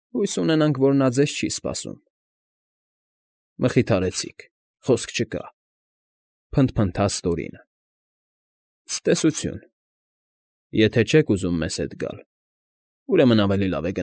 Հույս ունենանք, որ նա ձեզ չի սպասում։ ֊ Մխիթարեցիք, խոսք չկա,֊ փնթփնթաց Տորինը։֊ Ցտեսությո՛ւն… Եթե չեք ուզում մեզ հետ գալ, ուրեմն ավելի լավ է։